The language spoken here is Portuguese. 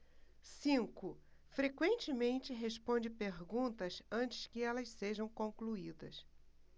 cinco frequentemente responde perguntas antes que elas sejam concluídas